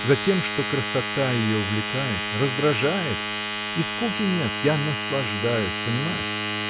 — Затем, что красота ее увлекает, раздражает — и скуки нет — я наслаждаюсь — понимаешь?